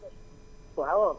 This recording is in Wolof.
waawaaw